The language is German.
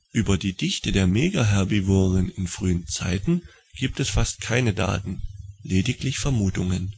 Über die Dichte von Megaherbivoren in früheren Zeiten gibt es fast keine Daten, lediglich Vermutungen